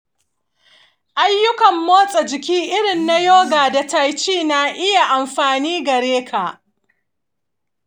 ayyukan motsa jiki irin na yoga da tai chi na iya amfani gare ka.